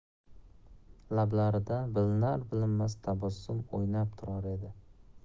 lablarida bilinar bilinmas tabassum o'ynab turar edi